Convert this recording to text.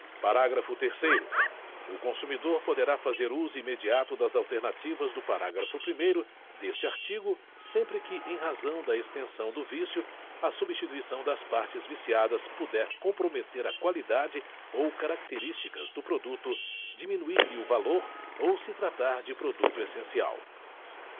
parágrafo terceiro o consumidor poderá fazer uso imediato das alternativas do parágrafo primeiro deste artigo sempre que em razão da extensão do vício a substituição das partes viciadas puder comprometer a qualidade ou características do produto diminuir lhe o valor ou se tratar de produto essencial